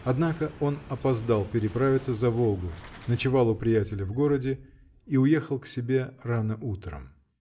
Однако он опоздал переправиться за Волгу, ночевал у приятеля в городе и уехал к себе рано утром.